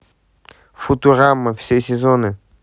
футурама все сезоны